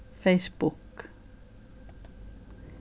facebook